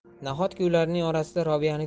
nahotki ularning orasida robiyani